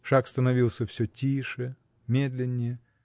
Шаг становился всё тише, медленнее.